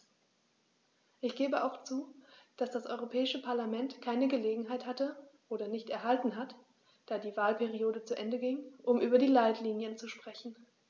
Ich gebe auch zu, dass das Europäische Parlament keine Gelegenheit hatte - oder nicht erhalten hat, da die Wahlperiode zu Ende ging -, um über die Leitlinien zu sprechen.